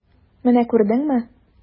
Менә күрдеңме?